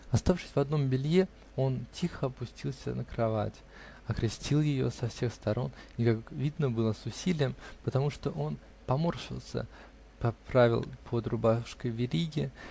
Оставшись в одном белье, он тихо опустился на кровать, окрестил ее со всех сторон и, как видно было, с усилием -- потому что он поморщился -- поправил под рубашкой вериги.